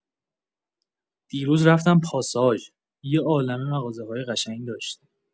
دیروز رفتم پاساژ، یه عالمه مغازه‌های قشنگ داشت.